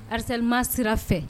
Rissalilima sira fɛ